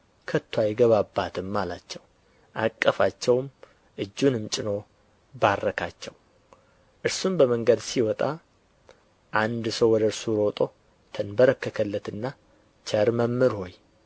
ከቶ አይገባባትም አላቸው አቀፋቸውም እጁንም ጭኖ ባረካቸው እርሱም በመንገድ ሲወጣ አንድ ሰው ወደ እርሱ ሮጦ ተንበረከከለትና ቸር መምህር ሆይ